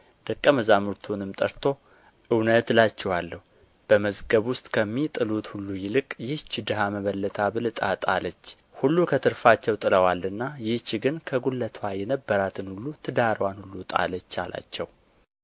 ደቀ መዛሙርቱንም ጠርቶ እውነት እላችኋለሁ በመዝገብ ውስጥ ከሚጥሉት ሁሉ ይልቅ ይህች ድሀ መበለት አብልጣ ጣለች ሁሉ ከትርፋቸው ጥለዋልና ይህች ግን ከጕድለትዋ የነበራትን ሁሉ ትዳርዋን ሁሉ ጣለች አላቸው